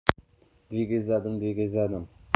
двигай задом двигай задом